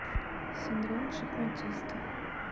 синдром шахматиста